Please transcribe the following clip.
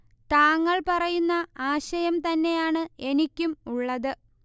താങ്ങൾ പറയുന്ന ആശയം തന്നെയാണ് എനിക്കും ഉള്ളത്